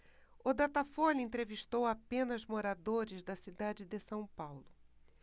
o datafolha entrevistou apenas moradores da cidade de são paulo